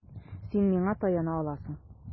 Син миңа таяна аласың.